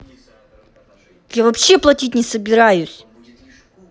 я вообще платить не собираюсь